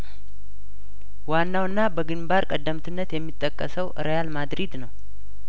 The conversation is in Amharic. ዋናውና በግንባር ቀደምትነት የሚጠቀሰው ሪያል ማድሪድ ነው